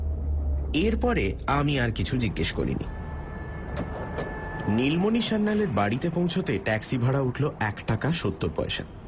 এর পরে আর আমি কিছু জিজ্ঞেস করিনি নীলমণি সান্যালের বাড়িতে পৌছতে ট্যাক্সিভাড়া উঠল এক টাকা সত্তর পয়সা